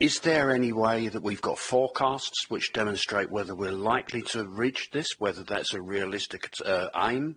Is there any way that we've got forecasts which demonstrate whether we're likely to have reached this? Whether that's a realistic c- s- err aim?